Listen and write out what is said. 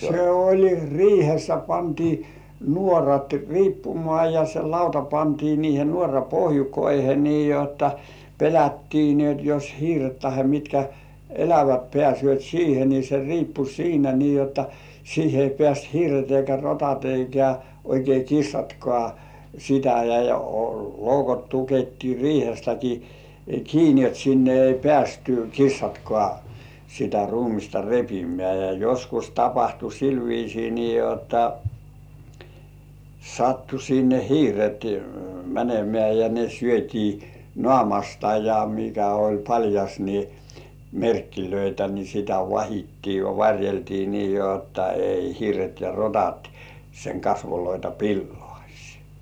se oli riihessä pantiin nuorat riippumaan ja se lauta pantiin niihin nuoran pohjukoihin niin jotta pelättiin niin jotta jos hiiret tai mitkä elävät pääsevät siihen niin se riippui siinä niin jotta siihen ei pääse hiiret eikä rotat eikä oikein kissatkaan sitä ja loukot tukittiin riihestäkin kiinni jotta sinne ei päässyt kissatkaan sitä ruumista repimään ja joskus tapahtui sillä viisiin niin jotta sattui sinne hiiret menemään ja ne syötiin naamasta ja mikä oli paljas niin merkkejä niin sitä vahdittiin ja varjeltiin niin jotta ei hiiret ja rotat sen kasvoja pilaisi